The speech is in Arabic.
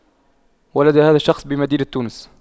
ولد هذا الشخص بمدينة تونس